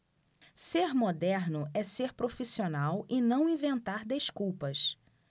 ser moderno é ser profissional e não inventar desculpas